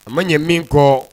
A man ɲɛ min kɔ